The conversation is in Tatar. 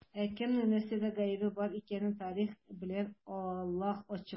Ә кемнең нәрсәдә гаебе бар икәнен тарих белән Аллаһ ачыклар.